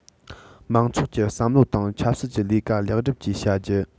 མང ཚོགས ཀྱི བསམ བློ དང ཆབ སྲིད ཀྱི ལས ཀ ལེགས སྒྲུབ བཅས བྱ རྒྱུ